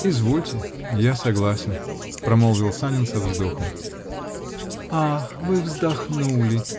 -- Извольте, я согласен, -- промолвил Санин со вздохом. -- Ах! Вы вздохнули!